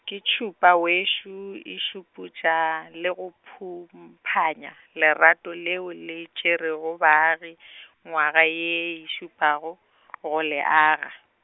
ke tšhupa wešo e šuputša lego phumphanya, lerato le go, le e tšerego baagi , ngwaga e šupago , go le aga.